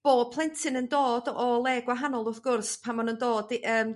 bob plentyn yn dod o le gwahanol wrth gwrs pan ma' nw'n dod i yym